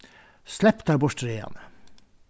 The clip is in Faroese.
slepp tær burtur hiðani